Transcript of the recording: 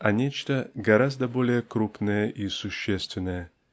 а нечто гораздо более крупное и существенное.